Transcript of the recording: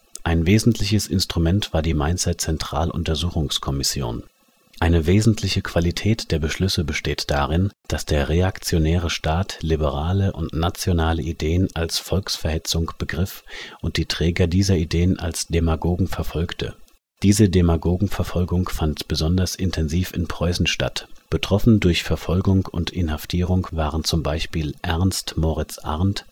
Ein wesentliches Instrument war die Mainzer Zentraluntersuchungskommission. Eine wesentliche Qualität der Beschlüsse besteht darin, dass der reaktionäre Staat liberale und nationale Ideen als Volksverhetzung begriff und die Träger dieser Ideen als Demagogen verfolgte. Diese Demagogenverfolgung fand besonders intensiv in Preußen statt. Betroffen durch Verfolgung und Inhaftierung waren z.B. Ernst Moritz Arndt